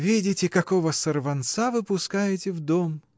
— Видите, какого сорванца вы пускаете в дом!